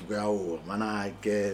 Mana kɛ